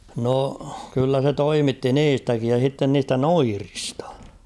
no kyllä se toimitti niistäkin ja sitten niistä noidista